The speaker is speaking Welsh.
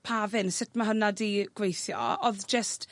pafin sut ma' hwnna 'di gweithio? Odd jyst